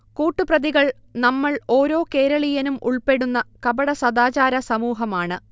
കൂട്ടു പ്രതികൾ നമ്മൾ, ഓരോ കേരളീയനും ഉൾപ്പെടുന്ന കപടസദാചാരസമൂഹം ആണ്